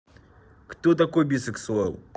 кто такой бисексуал